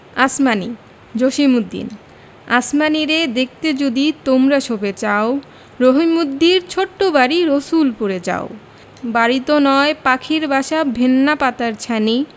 আসমানী জসিমউদ্দিন আসমানীরে দেখতে যদি তোমরা সবে চাও রহিমদ্দির ছোট্ট বাড়ি রসুলপুরে যাও বাড়িতো নয় পাখির বাসা ভেন্না পাতার ছানি